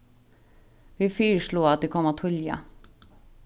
vit fyrisláa at tit koma tíðliga